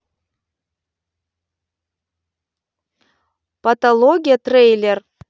патология трейлер